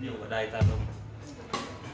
ví dụ tôi thổi có rung